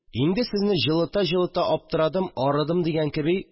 Инде сезне җылыта-җылыта аптырадым, арыдым дигән кеби